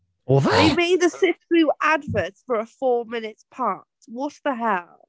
Oedd e?... They made us sit through adverts for a four minute part. What the hell?